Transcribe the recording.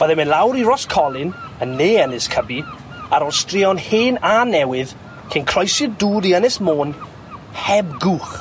Fyddai'n mynd lawr i Roscolyn yn neu Ynys Cybi ar ôl struon hen a newydd cyn croesi'r dŵr i Ynys Môn heb gwch.